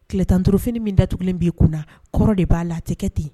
Tilet duuruurufini min datugulen bɛ yen kun kɔrɔ de b'a la tɛ ten